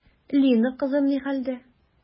Лина кызым ни хәлдә?